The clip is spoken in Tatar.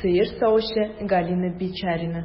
сыер савучы Галина Бичарина.